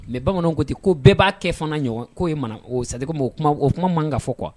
Mɛ bamananw kote ko bɛɛ b'a kɛ fana ɲɔgɔn k'o ye mana o sa' o kuma o kuma manka fɔ kuwa